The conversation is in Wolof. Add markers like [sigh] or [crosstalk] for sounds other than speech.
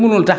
[hesitation] [hesitation]